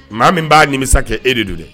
Maa min b'a nimisa kɛ e de don dɛ